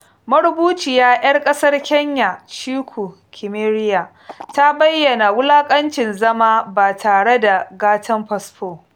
Marubuciya ‘yar ƙasar Kenya Ciku Kimeria ta bayyana wulaƙancin zama ba tare da "gatan fasfo".